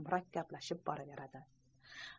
murakkablashib boraveradi